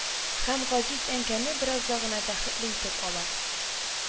Һ ә м газиз әнкәне беразга гына бәхетле итеп ала